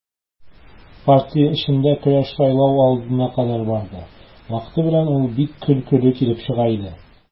Партия эчендә көрәш сайлау алдына кадәр барды, вакыты белән ул бик көлкеле килеп чыга иде.